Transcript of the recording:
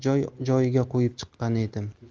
joy joyiga qo'yib chiqqan edim